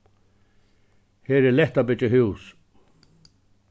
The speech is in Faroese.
her er lætt at byggja hús